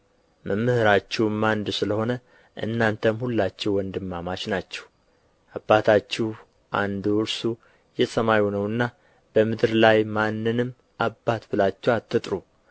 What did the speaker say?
መምህራችሁ አንድ ስለ ሆነ እናንተም ሁላችሁ ወንድማማች ናችሁ አባታችሁ አንዱ እርሱም የሰማዩ ነውና በምድር ላይ ማንንም አባት ብላችሁ አትጥሩ